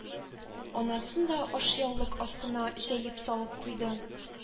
Анасын да ашъяулык астына җәеп салып куйды...